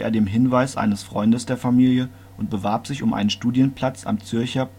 dem Hinweis eines Freundes der Familie und bewarb sich um einen Studienplatz am Zürcher